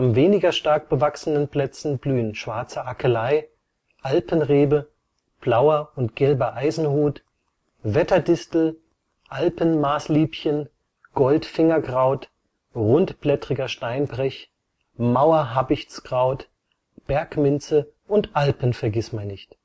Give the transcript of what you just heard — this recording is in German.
weniger stark bewachsenen Plätzen blühen Schwarze Akelei, Alpenrebe, Blauer - und Gelber Eisenhut, Wetterdistel, Alpenmaßliebchen, Gold-Fingerkraut, Rundblättriger Steinbrech, Mauerhabichtskraut, Bergminze und Alpen-Vergissmeinnicht